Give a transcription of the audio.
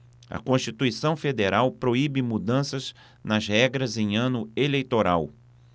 a constituição federal proíbe mudanças nas regras em ano eleitoral